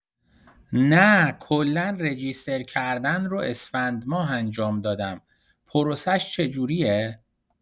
نه کلا register کردن رو اسفندماه انجام دادم پروسش چجوریه؟